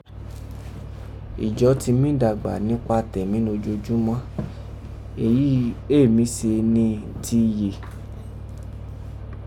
ijo ti mí dàgbà nipa tẹmi nojoojumo, èyí éè mí se ni ti iye.